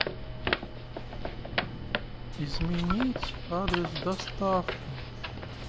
изменить адрес доставки